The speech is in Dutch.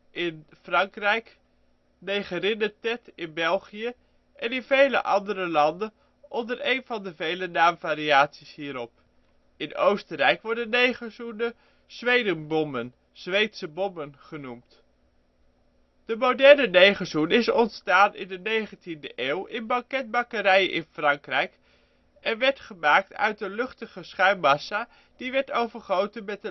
in Frankrijk, " Negerinnentet " in België en in veel andere landen onder één van de vele naamvariaties hierop. In Oostenrijk worden negerzoenen " Schwedenbomben " (Zweedse bommen) genoemd. De moderne negerzoen is ontstaan in de 19e eeuw in banketbakkerijen in Frankrijk en werd gemaakt uit een luchtige schuimmassa die werd overgoten met